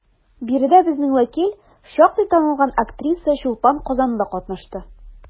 Биредә безнең вәкил, шактый танылган актриса Чулпан Казанлы катнашты.